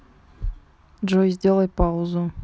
джой сделай паузу